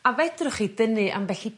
a fedrwch chi dynnu ambell i